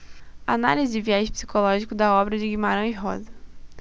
análise de viés psicológico da obra de guimarães rosa